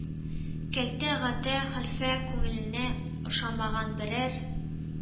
Кәлтә Гата хәлфә күңеленә ошамаган берәр